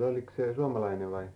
oliko se suomalainen vai